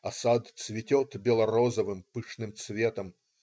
А сад цветет бело-розовым, пышным цветом.